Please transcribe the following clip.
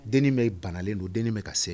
Dennin bɛ bananen don dennin bɛ ka seg